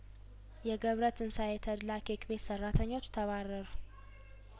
የገብረ ትንሳኤ ተድላ ኬክ ቤት ሰራተኞች ተባረሩ